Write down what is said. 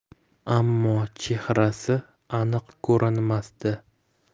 ammo chehrasi aniq ko'rinmasdi